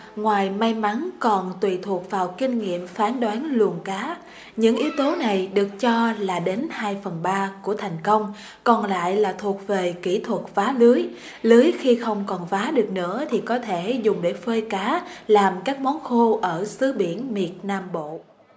ngoài may mắn còn tùy thuộc vào kinh nghiệm phán đoán luồng cá những yếu tố này được cho là đến hai phần ba của thành công còn lại là thuộc về kỹ thuật vá lưới lưới khi không còn vá được nữa thì có thể dùng để phơi cá làm các món khô ở xứ biển miệt nam bộ